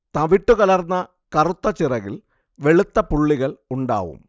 തവിട്ടുകലർന്ന കറുത്ത ചിറകിൽ വെളുത്ത പുള്ളികൾ ഉണ്ടാവും